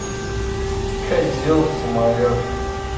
козел самолет